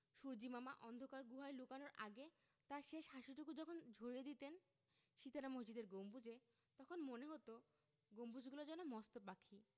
সূর্য্যিমামা অন্ধকার গুহায় লুকানোর আগে তাঁর শেষ হাসিটুকু যখন ঝরিয়ে দিতেন সিতারা মসজিদের গম্বুজে তখন মনে হতো গম্বুজগুলো যেন মস্ত পাখি